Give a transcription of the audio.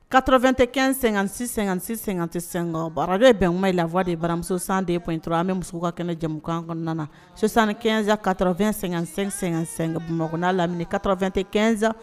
Kata2teɛn---sɛ tɛ- bara bɛɛ bɛnkuma in la fɔ de ye baramuso san dep inur an bɛ muso ka kɛnɛjamukan kɔnɔna na sosan kɛnɛnsan kata2---sɛ 2da lamini ka2teɛnsan